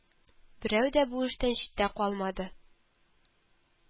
Берәү дә бу эштән читтә калмады